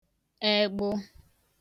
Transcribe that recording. egbụ